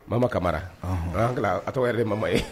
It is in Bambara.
Mama kamara nka a tɔgɔ yɛrɛ ma ye